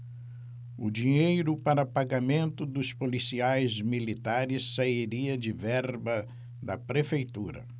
o dinheiro para pagamento dos policiais militares sairia de verba da prefeitura